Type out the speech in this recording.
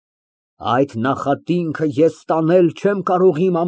ՄԱՐԳԱՐԻՏ ֊ Կկամենայի ես էլ ուրախ լինել քրոջս պես, թռչկոտել, ինչպես անհոգ թռչուն։